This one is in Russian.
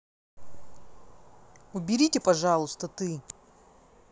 уберите пожалуйста ты